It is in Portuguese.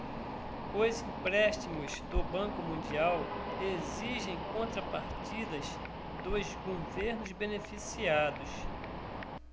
os empréstimos do banco mundial exigem contrapartidas dos governos beneficiados